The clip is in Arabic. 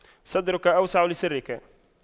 صدرك أوسع لسرك